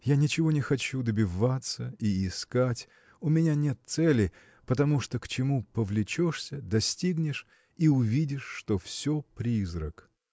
Я ничего не хочу добиваться и искать у меня нет цели потому что к чему повлечешься достигнешь – и увидишь что все призрак.